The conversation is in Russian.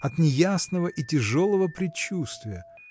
от неясного и тяжелого предчувствия.